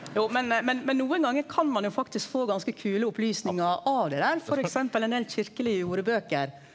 jo men men men nokon gonger kan ein jo faktisk få ganske kule opplysningar av det der, f.eks. ein del kyrkjelege jordebøker.